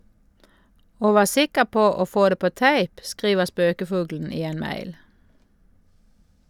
Og vær sikker på å få det på tape, skriver spøkefuglen i en mail.